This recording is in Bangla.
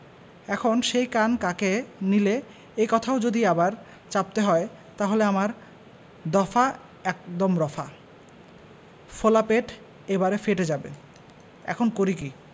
এখন সেই কান কাকে নিলে এ কথাও যদি আবার চাপতে হয় তাহলে আমার দফা একদম রফা ফোলা পেট এবারে ফেটে যাবে এখন করি কী